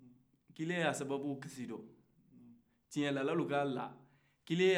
tiɲɛdalaw ka la ko i ka sababu bɛ kasi la